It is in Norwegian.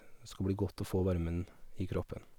Det skal bli godt å få varmen i kroppen.